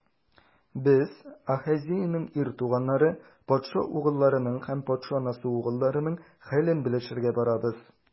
Без - Ахазеянең ир туганнары, патша угылларының һәм патша анасы угылларының хәлен белешергә барабыз.